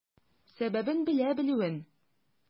Сәбәбен белә белүен.